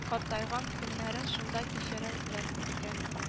Картайган көннәрен шунда кичерәләр икән